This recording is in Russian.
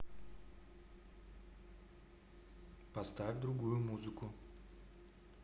поставь другую музыку